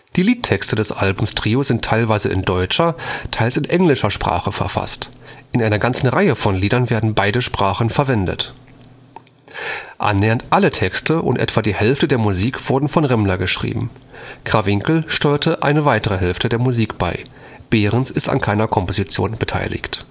Die Liedtexte des Albums Trio sind teils in deutscher, teils in englischer Sprache verfasst. In einer ganzen Reihe von Liedern werden beide Sprachen verwendet. Annähernd alle Texte und etwa die Hälfte der Musik wurden von Remmler geschrieben, Krawinkel steuerte eine weitere Hälfte der Musik bei. Behrens ist an keiner Komposition beteiligt